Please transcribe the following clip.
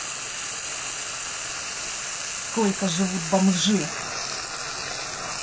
сколько живут бомжи